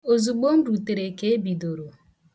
Ozugbo m rutere ka ebidoro.